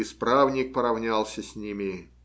Исправник поравнялся с ними.